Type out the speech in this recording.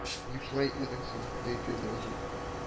— ник шулай итмәдең соң? — диде нәҗип